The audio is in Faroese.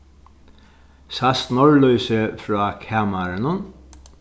sæst norðlýsið frá kamarinum